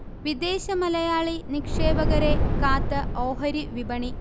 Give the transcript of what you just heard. വിദേശമലയാളി നിക്ഷേപകരെ കാത്ത് ഓഹരി വിപണി